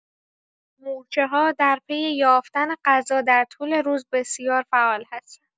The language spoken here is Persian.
مورچه‌ها در پی یافتن غذا در طول روز بسیار فعال هستند.